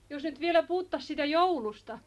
jos nyt vielä puhuttaisiin siitä joulusta